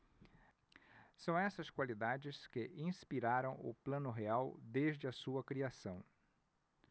são essas qualidades que inspiraram o plano real desde a sua criação